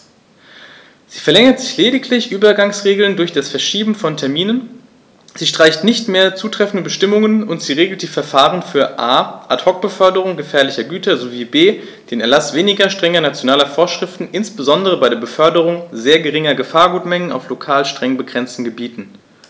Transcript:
Sie verlängert lediglich Übergangsregeln durch das Verschieben von Terminen, sie streicht nicht mehr zutreffende Bestimmungen, und sie regelt die Verfahren für a) Ad hoc-Beförderungen gefährlicher Güter sowie b) den Erlaß weniger strenger nationaler Vorschriften, insbesondere bei der Beförderung sehr geringer Gefahrgutmengen auf lokal streng begrenzten Gebieten.